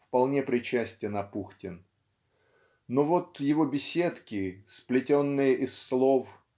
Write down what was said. вполне причастен Апухтин. Но вот его беседки сплетенные из слов